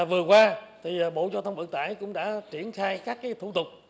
vừa qua thì bộ giao thông vận tải cũng đã triển khai các thủ tục